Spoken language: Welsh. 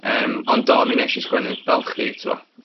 yym, ond do mi wnesh i sgwennu, fel chdi, t'w'o'.